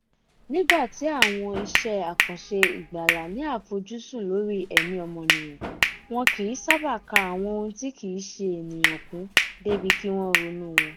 Nígbà tí àwọn iṣẹ́ àkànṣe ìgbàlà ní àfojúsùn lórí ẹ̀mí ọmọnìyàn, wọ́n kìí sábà ka àwọn ohun tí kìí ṣe ènìyàn kún débì kí wọ́n ronú wọn.